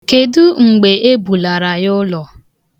Kedu mgbe ebulara ya ụlọ?